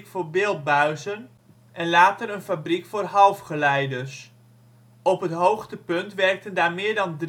voor beeldbuizen en later een fabriek voor halfgeleiders. Op het hoogtepunt werkten daar meer dan